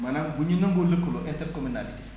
maanaam bu ñu nangoo lëkkaloo inter communalité